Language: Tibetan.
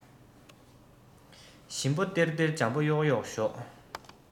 ཞིམ པོ སྟེར སྟེར འཇམ པོ གཡོག གཡོག ཞོག